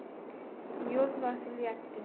yo'l bosilyapti